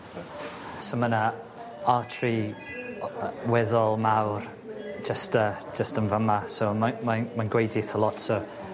So ma' 'na artery o- yy weddol mawr jyst yy jyst yn fyma so ma' mae'n mae'n gweudu eitha lot so